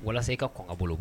Walasa i ka kɔn ka bolo